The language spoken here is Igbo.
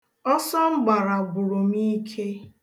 Ọsọ m gbara gwụrụ m ike.